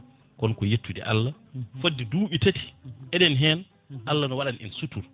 kono ko yettude Allah fodde duuɓu tati eɗen hen Allah ene waɗani en suturu